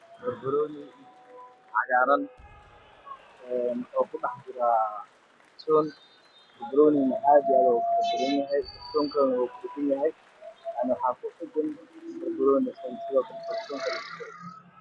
Waa badbaanooni midabkiisii yahay cagaar waxa uu ku dhex jiraa kartoon